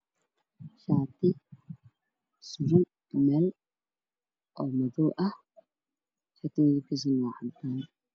Waxaa ii muuqda shaar caddaan ah gadaal waxaa ka xiga biro waxaana ku sawiran yaxaas